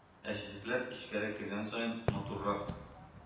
Ә чәчәкләр эчкәрәк кергән саен матуррак